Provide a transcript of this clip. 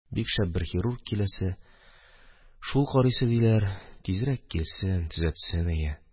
Бик шәп бер хирург киләсе, шул карыйсы, диләр, тизрәк килсен, төзәтсен иде.